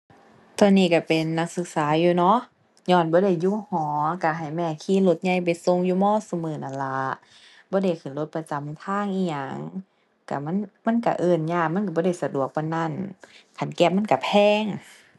ตอนนี้ก็เป็นนักศึกษาอยู่เนาะ ญ้อนบ่ได้อยู่หอก็ให้แม่ขี่รถใหญ่ไปส่งอยู่มอซุมื้อนั่นล่ะ บ่ได้ขึ้นรถประจำทางอิหยัง ก็มัน มันก็เอิ้นยาก มันก็บ่ได้สะดวกปานนั้น คัน Grab มันก็แพง